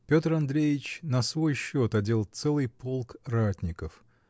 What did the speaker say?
Петр Андреич на свой счет одел целый полк ратников.